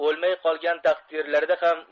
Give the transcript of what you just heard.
o'lmay qolgan taqdirlarida ham